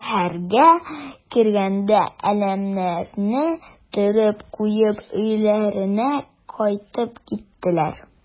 Шәһәргә кергәндә әләмнәрне төреп куеп өйләренә кайтып киттеләр.